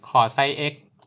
ขอไซส์เอ็กซ์